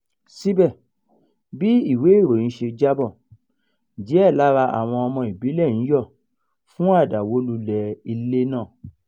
Síbẹ̀, bí ìwé ìròyìn ṣe jábọ̀, díẹ̀ lára àwọn ọmọ ìbílẹ̀ ń yọ̀ fún àdàwólulẹ̀ ilé náà.